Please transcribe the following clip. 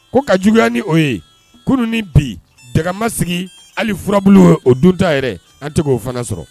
Ko ka juguya ni o ye kununurun ni bi dma sigi hali furabu o dunta yɛrɛ an tɛ k oo fana sɔrɔ